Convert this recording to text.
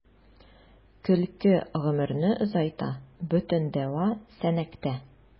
Көлке гомерне озайта — бөтен дәва “Сәнәк”тә.